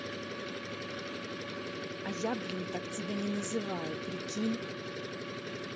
а я блин так тебя не называю прикинь